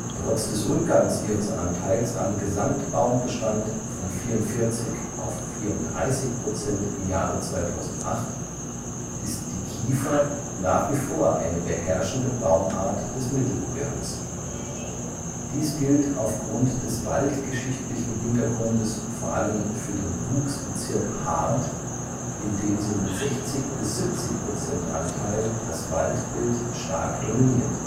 Trotz des Rückgangs ihres Anteils am Gesamtbaumbestand von 44 auf 34 Prozent im Jahre 2008 ist die Kiefer nach wie vor eine beherrschende Baumart des Mittelgebirges. Dies gilt aufgrund des waldgeschichtlichen Hintergrundes vor allem für den Wuchsbezirk Haardt, in dem sie mit 60 bis 70 Prozent Anteil das Waldbild stark dominiert